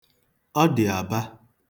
O di aba.